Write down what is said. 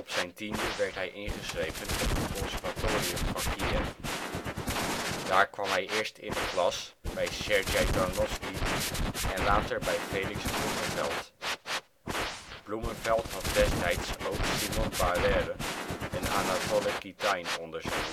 zijn tiende werd hij ingeschreven op het Conservatorium van Kiev. Daar kwam hij eerst in de klas bij Sergej Tarnovski en later bij Felix Blumenfeld. Blumenfeld had destijds ook Simon Barere en Anatole Kitain onder zijn